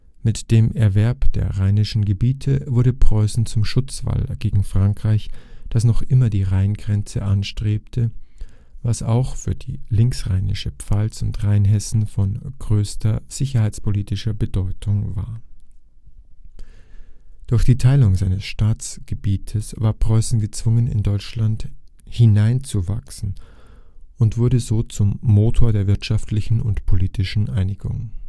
Mit dem Erwerb der rheinischen Gebiete wurde Preußen zum Schutzwall gegen Frankreich, das noch immer die Rheingrenze anstrebte, was auch für die linksrheinische Pfalz und Rheinhessen von größter sicherheitspolitischer Bedeutung war. Durch die Teilung seines Staatsgebietes war Preußen gezwungen, in Deutschland hineinzuwachsen, und wurde so zum Motor der wirtschaftlichen und politischen Einigung